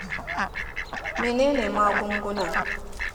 “Menene magungunan?